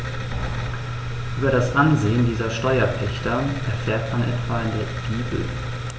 Über das Ansehen dieser Steuerpächter erfährt man etwa in der Bibel.